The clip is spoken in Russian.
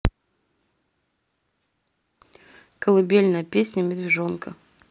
колыбельная песня медвежонка